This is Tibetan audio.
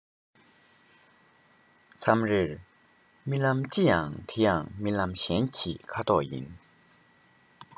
མཚམས རེར རྨི ལམ ཅི ཡང དེ ཡང རྨི ལམ གཞན ཞིག གི ཁ དོག ཡིན